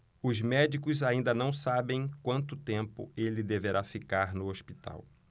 os médicos ainda não sabem quanto tempo ele deverá ficar no hospital